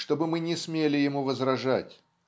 чтобы мы не смели ему возражать.